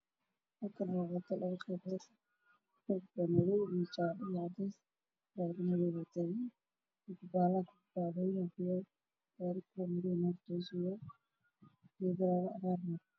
Waa laami midabkiisii yahay madow waan laba qaybood